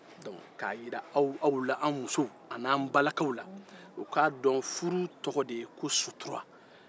k'a jira an musow n'an balakaw la u k'a dɔn ko furu tɔgɔ de ye ko sutura